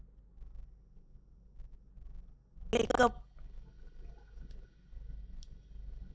འཇལ བའི སྐབས